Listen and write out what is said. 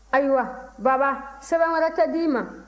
ayiwa baba sɛbɛn wɛrɛ tɛ di i ma